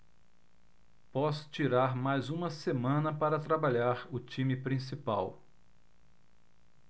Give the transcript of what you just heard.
posso tirar mais uma semana para trabalhar o time principal